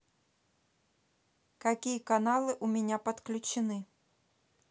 какие каналы у меня подключены